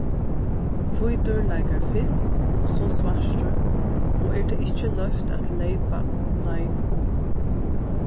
hvítur leikar fyrst og so svartur og er tað ikki loyvt at leypa leik um